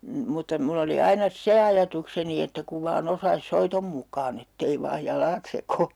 - mutta minulla oli aina se ajatukseni että kun vain osaisi soiton mukaan että ei vain jalat sekoa